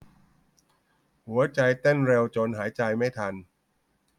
หัวใจเต้นเร็วจนหายใจไม่ทัน